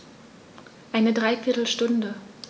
Eine dreiviertel Stunde